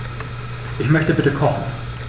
Ich möchte bitte kochen.